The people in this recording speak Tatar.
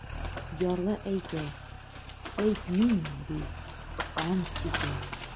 Ярлы әйтә: - әйтмим, - ди, ант итә.